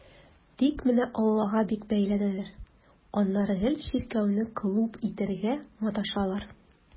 Тик менә аллага бик бәйләнәләр, аннары гел чиркәүне клуб итәргә маташалар.